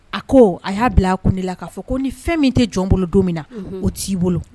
A ko a ya bila a kun de la ka fɔ ko ni fɛn min ti jɔn bolo don min na o ti bolo.